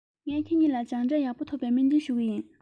ངས ཁྱེད གཉིས ལ སྦྱངས འབྲས ཡག པོ ཐོབ པའི སྨོན འདུན ཞུ གི ཡིན